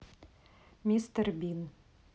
мистер бин